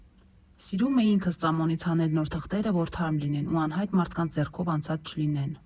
Սիրում էի ինքս ծամոնից հանել նոր թղթերը, որ թարմ լինեն ու անհայտ մարդկանց ձեռքով անցած չլինեն։